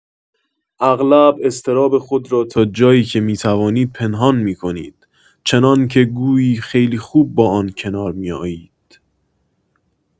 اغلب اضطراب خود را تا جایی که می‌توانید پنهان می‌کنید، چنان‌که گویی خیلی خوب با آن کنار می‌آیید.